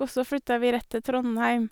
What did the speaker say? Og så flytta vi rett til Trondheim.